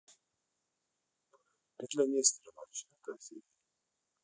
петля нестерова четвертая серия